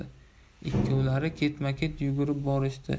ikkovlari ketma ket yugurib borishdi